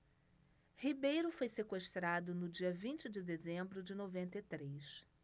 ribeiro foi sequestrado no dia vinte de dezembro de noventa e três